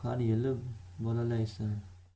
har yili bolalaysan